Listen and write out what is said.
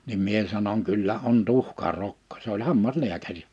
niin minä sanon kyllä on tuhkarokko se oli hammaslääkäri